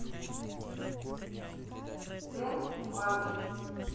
денс манкит